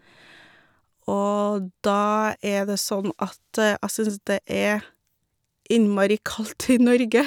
Og da er det sånn at jeg syns det er innmari kaldt i Norge.